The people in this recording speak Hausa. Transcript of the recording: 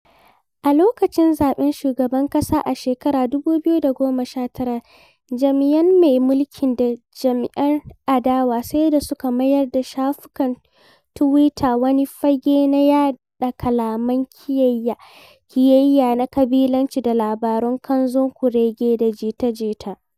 A lokacin zaɓen shugaban ƙasa a shekarar 2019, jam'iyya mai mulki da jam'iyyar adawa sai da suka mayar da shafukan tuwita wani fage na yaɗa kalaman ƙiyayya na ƙabilanci da labaran ƙanzon kurege da jita-jita.